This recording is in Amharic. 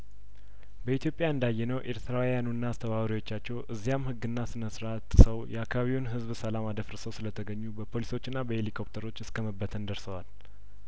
በኢትዮጵያ እንዳ የነው ኤርትራውያኑና አስተባባሪዎቻቸው እዚያም ህግና ስነ ስርአት ጥሰው የአካባቢውን ህዝብ ሰላም አደፍ ርሰው ስለተገኙ በፖሊሶችና በሄሊኮፕተሮች እስከመበተን ደርሰዋል